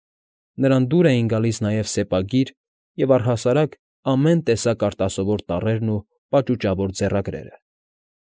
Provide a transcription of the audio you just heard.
Նրան դուր էին գալիս նաև սեպագիր և, առհասարակ, ամեն տեսակ արտասովոր տառերն ու պաճուճավոր ձեռագրերը։